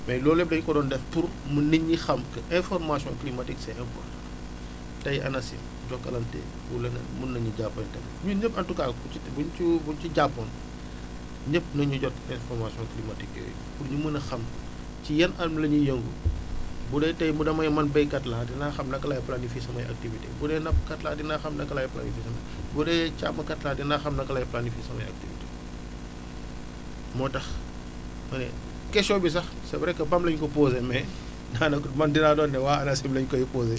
mais loolu lépp dañu ko doon def pour mun nit ñi xam que information climatique c' est important tey ANACIM Jokalante ou leneen mun nañu jàppante énun ñëpp en tout cas ku ci bu ñu ci bu ñu ci jàppoon ñëpp nañu jot information climatique yooyu pour ñu mën a xam ci yan anam lañuy yëngu bu dee tey mu damay man béykat laa dinaa xam naka laay planifier samay activités bu dee nappkat laa dinaa xam naka laay planifier samay bu dee càmmkat laa dinaa xam naka laay planifier samay activités moo tax question bi sax c' est vrai que PAM la ñu ko posé mais daanaka man dinaa doon ne waa ANACIM lañ koy poser